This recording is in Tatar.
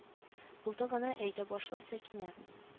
Булды гына әйдә башла сәкинә